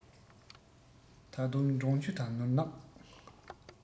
ད དུང འབྲོང ཁྱུ དང ནོར གནག